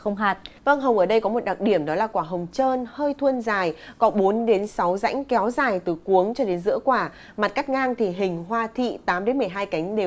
hồng hạc vân hồng ở đây có một đặc điểm đó là quả hồng trơn hơi thuôn dài có bốn đến sáu rãnh kéo dài từ cuống cho đến giữa quả mặt cắt ngang thì hình hoa thị tám đến mười hai cánh đều